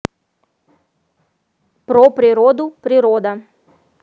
про природу природа